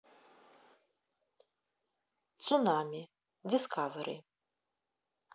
цунами дискавери